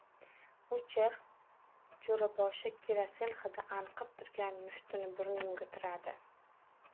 o'chir jo'raboshi kerosin hidi anqib turgan mushtini burnimga tiradi